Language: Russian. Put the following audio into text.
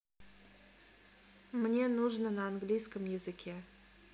мне нужно на английском языке